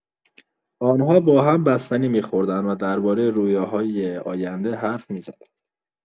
آن‌ها با هم بستنی می‌خوردند و دربارۀ رویاهای آینده حرف می‌زدند.